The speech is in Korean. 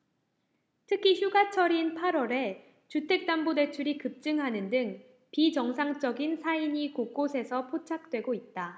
특히 휴가철인 팔 월에 주택담보대출이 급증하는 등 비정상적인 사인이 곳곳에서 포착되고 있다